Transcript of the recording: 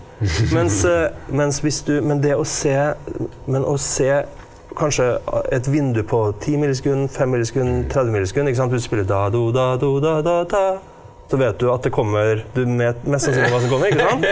mens mens hvis du men det å se men å se kanskje et vindu på ti millisekund, fem millisekund, 30 millisekund ikke sant, du spiller så vet du at det kommer du vet mest sannsynlig hva som kommer ikke sant.